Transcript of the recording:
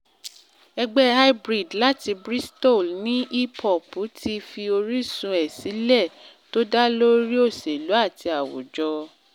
Ẹgbẹ́ High Breed láti Bristol ní hip hop ti fi orísun ẹ̀ sílẹ̀ tó dá lórí òṣèlú àti àwùjọ.